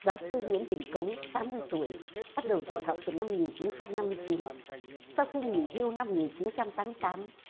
giáo sư nguyễn đình cống tám mươi tuổi bắt đầu dạy học từ năm nghìn chín trăm năm mươi chín sau khi nghỉ hưu năm một nghìn chín trăm tám mươi tám